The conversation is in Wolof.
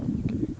ok